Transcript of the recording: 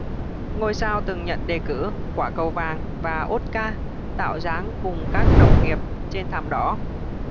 ngôi sao từng nhận đề cử quả cầu vàng và oscar tạo dáng cùng các đồng nghiệp trên thảm đỏ